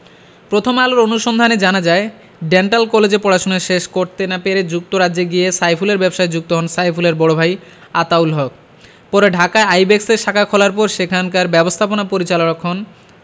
প্রথম আলোর অনুসন্ধানে জানা যায় ডেন্টাল কলেজে পড়াশোনা শেষ করতে না পেরে যুক্তরাজ্যে গিয়ে সাইফুলের ব্যবসায় যুক্ত হন সাইফুলের বড় ভাই আতাউল হক পরে ঢাকায় আইব্যাকসের শাখা খোলার পর সেখানকার ব্যবস্থাপনা পরিচালক হন